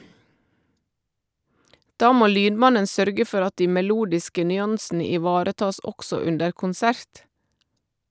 Da må lydmannen sørge for at de melodiske nyansene ivaretas også under konsert.